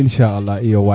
inchaalah iyo waay